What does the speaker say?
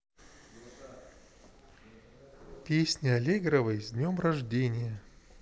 песня аллегровой с днем рождения